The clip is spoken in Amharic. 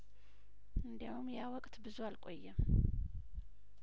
እንዲያውም ያወቅት ብዙ አልቆየም